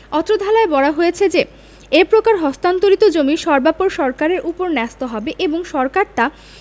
অত্র ধারায় বলা হয়েছে যে এ প্রকার হস্তান্তরিত জমি সর্বাপর সরকারের ওপর ন্যস্ত হবে এবং সরকার তা